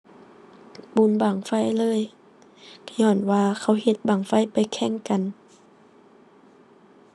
บุญบั้งไฟเลย ก็ญ้อนว่าเขาเฮ็ดบั้งไฟไปแข่งกัน